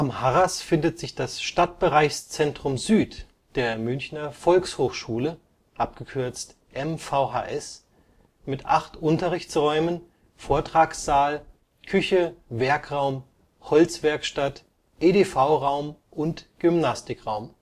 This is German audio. Harras findet sich das Stadtbereichszentrum Süd der Münchner Volkshochschule (MVHS) mit acht Unterrichtsräumen, Vortragssaal, Küche, Werkraum, Holzwerkstatt, EDV-Raum und Gymnastikraum